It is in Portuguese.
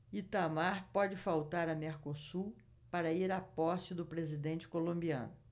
itamar pode faltar a mercosul para ir à posse do presidente colombiano